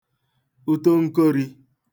utonkorī